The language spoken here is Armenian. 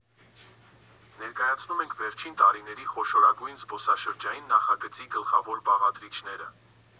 Ներկայացնում ենք վերջին տարիների խոշորագույն զբոսաշրջային նախագծի գլխավոր բաղադրիչները։